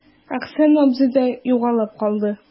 Әхсән абзый да югалып калды.